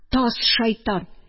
Таз шәйтан!